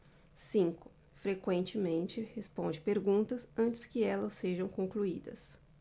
cinco frequentemente responde perguntas antes que elas sejam concluídas